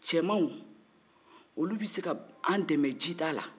cɛmanw olu bɛ se ka an dɛmɛ jita la